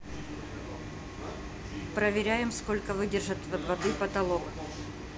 проверяем сколько выдержит воды потолок